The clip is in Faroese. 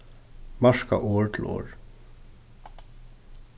marka orð til orð